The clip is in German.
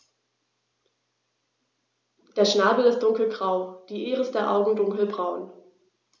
Der Schnabel ist dunkelgrau, die Iris der Augen dunkelbraun.